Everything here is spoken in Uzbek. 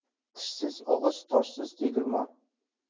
tishsiz og'iz toshsiz tegirmon